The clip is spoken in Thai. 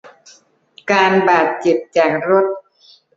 การบาดเจ็บจากรถ